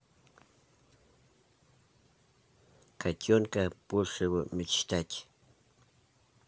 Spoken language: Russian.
котенка большего мечтать